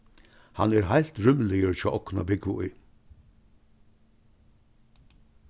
hann er heilt rúmligur hjá okkum at búgva í